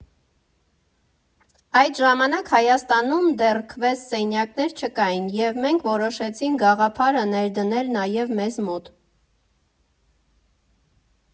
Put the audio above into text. Այդ ժամանակ Հայաստանում դեռ քվեսթ սենյակներ չկային, և մենք որոշեցինք գաղափարը ներդնել նաև մեզ մոտ։